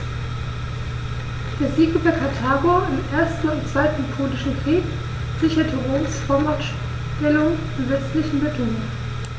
Der Sieg über Karthago im 1. und 2. Punischen Krieg sicherte Roms Vormachtstellung im westlichen Mittelmeer.